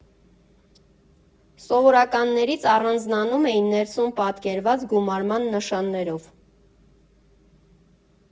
Սովորականներից առանձնանում էին ներսում պատկերված գումարման նշաններով։